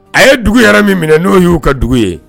A ye dugu yɛrɛ min minɛ n'o y'u ka dugu ye